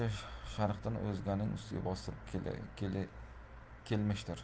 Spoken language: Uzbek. bir bosqinchi sharqdan o'zganning ustiga bostirib kelmishdir